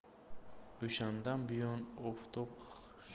o'shandan buyon oftob ham